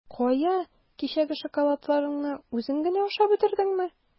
Кая, кичәге шоколадларыңны үзең генә ашап бетердеңме?